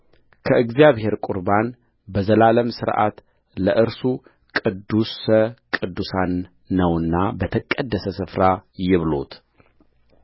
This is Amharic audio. ከእግዚአብሔር ቍርባን በዘላለም ሥርዓት ለእርሱ ቅዱስ ቅዱሳን ነውና በተቀደሰ ስፍራ ይብሉት